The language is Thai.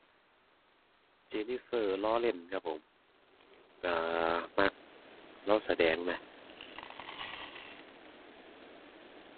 Jennifer Lawrence ครับผม ก็มักเลาแสดงนะ